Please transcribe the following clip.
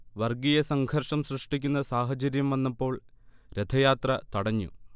വർഗീയസംഘർഷം സൃഷ്ടിക്കുന്ന സാഹചര്യം വന്നപ്പോൾ രഥയാത്ര തടഞ്ഞു